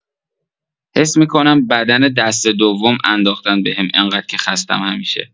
حس می‌کنم بدن دسته دوم انداختن بهم انقدر که خستم همیشه